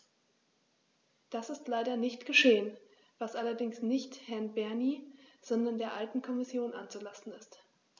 Das ist leider nicht geschehen, was allerdings nicht Herrn Bernie, sondern der alten Kommission anzulasten ist.